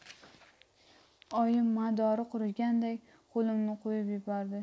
oyim madori qurigandek qo'limni qo'yib yubordi